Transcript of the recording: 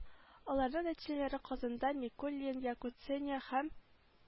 Аларның нәтиҗәләре казанда никулин якуценя һәм